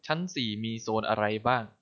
ชั้นสี่มีโซนอะไรบ้าง